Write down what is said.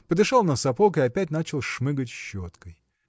подышал на сапог и опять начал шмыгать щеткой.